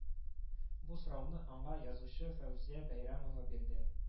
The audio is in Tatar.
Бу сорауны аңа язучы Фәүзия Бәйрәмова бирде